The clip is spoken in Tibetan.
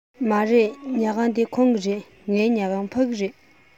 མ རེད ཉལ ཁང འདི ཁོང གི རེད ངའི ཉལ ཁང ཕ གི རེད